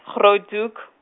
Groothoek.